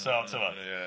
So timod... ia